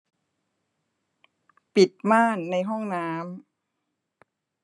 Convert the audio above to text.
ปิดม่านในห้องน้ำ